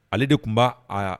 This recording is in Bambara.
Ale de tun b'a, aya